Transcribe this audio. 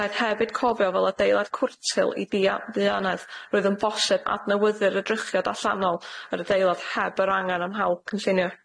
Rhaid hefyd cofio fel adeilad cwrtyl i bia- ddianedd roedd yn bosib adnewyddu'r edrychiad allanol yr adeilad heb yr angen am hawl cynllunio.